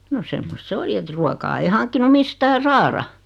no semmoista se oli että ruokaa ei hankkinut mistään saada